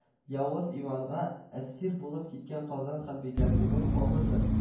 Явыз Иванга әсир булып киткән Казан ханбикәсенең образы